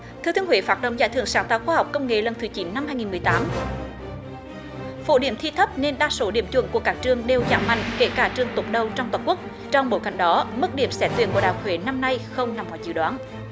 thừa thiên huế phát động giải thưởng sáng tạo khoa học công nghệ lần thứ chín năm hai nghìn mười tám phổ điểm thi thấp nên đa số điểm chuẩn của các trường đều giảm mạnh kể cả trường tốp đầu trong toàn quốc trong bối cảnh đó mức điểm xét tuyển của đại học huế năm nay không nằm ngoài dự đoán